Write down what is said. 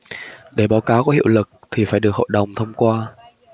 để báo cáo có hiệu lực thì phải được hội đồng thông qua